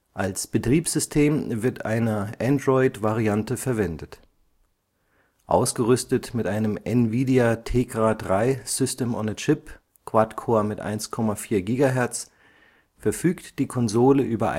Als Betriebssystem wird eine Android-Variante verwendet. Ausgerüstet mit einem NVIDIA Tegra 3-SoC (Quad-Core mit 1,4 GHz) verfügt die Konsole über